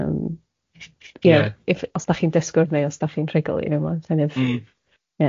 Yym ie if os dach chi'n dysgwr neu os dach chi'n rhugl you know ma'n kind of... Mm. ...ie.